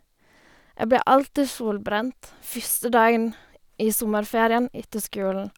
Jeg ble alltid solbrent første dagen i sommerferien etter skolen.